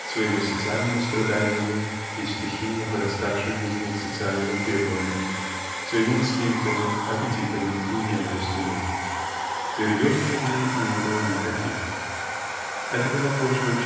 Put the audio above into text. своими социальными страданиями и стихийно выраставшими из них социальными требованиями своими инстинктами аппетитами и ненавистями. Религиозных идей не было никаких. Это была почва